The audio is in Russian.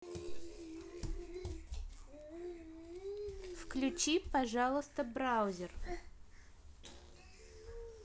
включи пожалуйста браузер